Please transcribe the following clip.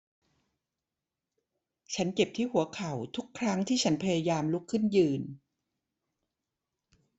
ฉันเจ็บที่หัวเข่าทุกครั้งที่ฉันพยายามลุกขึ้นยืน